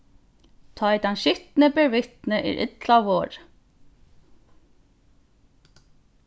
tá ið tann skitni ber vitni er illa vorðið